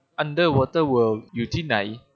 อันเดอร์วอเตอร์เวิล์ดอยู่ที่ไหน